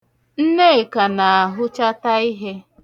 Nneka na-ahụtacha ihe.